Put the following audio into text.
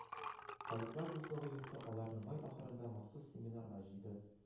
Халыклар дуслыгы йорты аларны май ахырында махсус семинарга җыйды